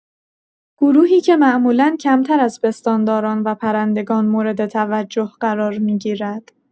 گروهی که معمولا کمتر از پستانداران و پرندگان مورد توجه قرار می‌گیرد.